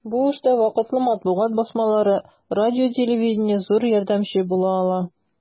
Бу эштә вакытлы матбугат басмалары, радио-телевидение зур ярдәмче була ала.